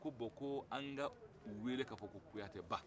ko bon ko an ka u wele ka fɔ ko kuyatɛba